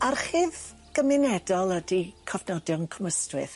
Archif gymunedol ydi cofnodion Cwm Ystwyth.